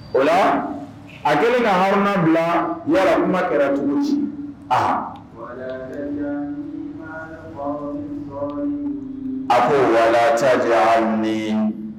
Ola a kɛlen ka Haruna bila yala kuma kɛra cogo di? Aa! <LECTURE CORANIQUE>. A ko wala tadji alnii